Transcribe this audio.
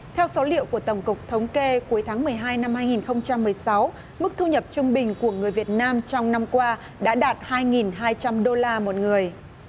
theo số liệu của tổng cục thống kê cuối tháng mười hai năm hai nghìn không trăm mười sáu mức thu nhập trung bình của người việt nam trong năm qua đã đạt hai nghìn hai trăm đô la một người